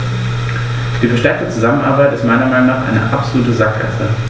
Die verstärkte Zusammenarbeit ist meiner Meinung nach eine absolute Sackgasse.